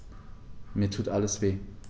Mir tut alles weh.